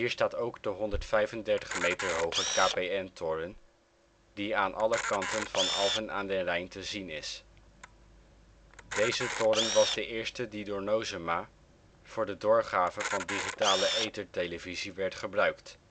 staat ook de 135 meter hoge KPN toren, die aan alle kanten van Alphen aan den Rijn te zien is. Deze toren was de eerste die door Nozema voor de doorgave van digitale ethertelevisie werd gebruikt